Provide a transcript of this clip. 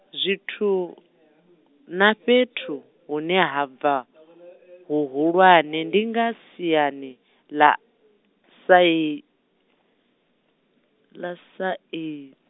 zwithu, na fhethu hune ha bva , huhulwane ndi nga siani, ḽa sai-, ḽa sai-.